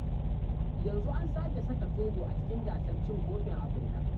Yanzu an sake saka Togo a cikin Gasar Cin Kofin Afirka.